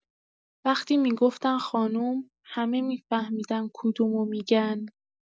وقتی می‌گفتن خانم، همه می‌فهمیدن کدومو می‌گن.